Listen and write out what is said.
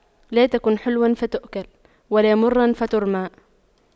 لا تكن حلواً فتؤكل ولا مراً فترمى